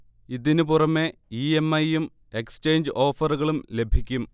ഇതിന് പുറമെ E. M. I. യും എക്സചേഞ്ച് ഓഫറുകളും ലഭിക്കും